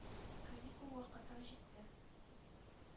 ”каникул вакытың җитте.